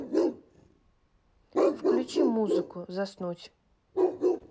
включи музыку заснуть